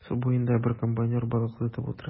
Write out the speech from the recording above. Су буенда бер комбайнер балык тотып утыра.